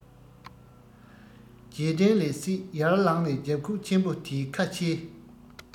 རྗེས དྲན ལས སད ཡར ལངས ནས རྒྱབ ཁུག ཆེན པོ དེའི ཁ ཕྱེས